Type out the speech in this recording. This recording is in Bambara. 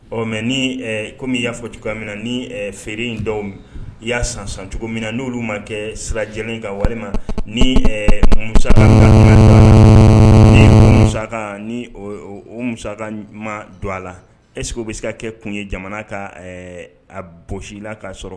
Ɔ mɛ kɔmi y'a fɔcogo cogoya min na ni feere in dɔw y'a san sancogomin na n' oluolu ma kɛ sirajɛlen ka walima ni musa ni o musaka ma don a la ese bɛ se ka kɛ kun ye jamana ka a bosi la k'a sɔrɔ